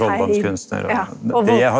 seid ja og.